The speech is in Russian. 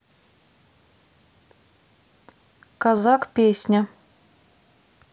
казак песня